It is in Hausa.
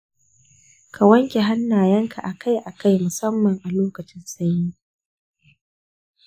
ka wanke hannayen ka a kai a kai musamman a locakin sanyi.